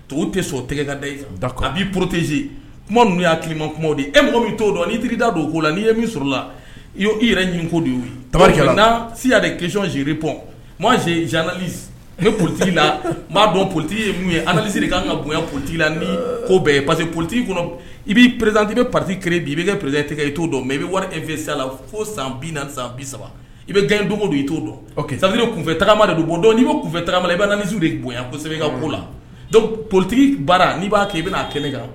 To tɛ sɔn o tɛgɛ ka da bi porotez kuma ninnuu y'a ki ima kuma e mako bɛ too dɔn ni da'' la n' ye minla i y' i yɛrɛ ɲini ko tari siya de kecon zerepɔn m poli la b'a dɔn polite ye min yesiri i' kan ka bonyan pti la ni ko bɛɛ pa polite kɔnɔ i b'i perezdti bɛ ptiere bi i bɛ kɛ perezete i t'o dɔn mɛ i bɛ wari efɛ sa la fo san bi san bi saba i bɛ gan dogo don i t'o dɔn santiri kunfɛtaama de don bon dɔn n'i bɛ kunfɛtaama i bɛ nanzsiririyansɛbɛ ka bon la politigi baara n'i b'a kɛ i bɛnaa kɛnɛ kan